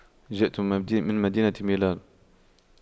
جئت من مدينة ميلان